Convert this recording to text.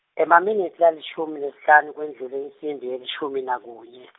Emaminitsi lalishumi nesihlanu kwendlule insimbi yelishuminakunye.